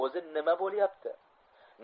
o'zi nima bo'lyapti